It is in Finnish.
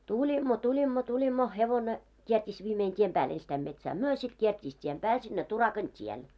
tulimme tulimme tulimme hevonen kiersi viimein tien päälle ensistään metsään me sitten kiersi tien päälle sinne Turakan tielle